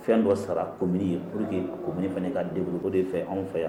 Fɛn dɔ sara komb ye pur que kouni fana ye ka deur de fɛ anw fɛ yan